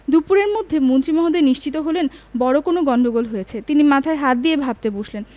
দুপুরের মধ্যে মন্ত্রী মহোদয় নিশ্চিত হলেন বড় কোনো গন্ডগোল হয়ে গেছে তিনি মাথায় হাত দিয়ে ভাবতে বসলেন